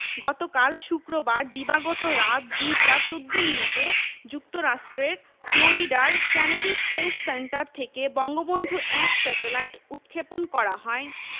গতকাল শুক্রবার দিবাগত রাত ২টা ১৪ মিনিটে যুক্তরাষ্ট্রের ফ্লোরিডার কেনেডি স্পেস সেন্টার থেকে বঙ্গবন্ধু ১ স্যাটেলাইট উৎক্ষেপণ করা হয়